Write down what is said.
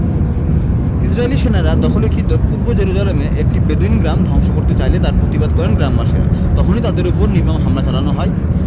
ইসরাইলি সেনারা দখলীকৃত পূর্ব জেরুজালেমে একটি বেদুইন গ্রাম ধ্বংস করতে চাইলে তার প্রতিবাদ করে গ্রামবাসীরা তখনই তাদের ওপর নির্মম হামলা চালানো হয়